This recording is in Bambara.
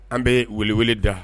An bɛ weleelew da